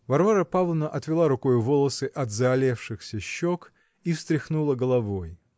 Варвара Павловна отвела рукою волосы от заалевшихся щек и встряхнула головой.